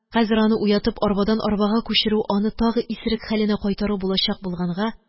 Хәзер аны уятып арбадан арбага күчерү аны тагы исерек хәленә кайтару булачак булганга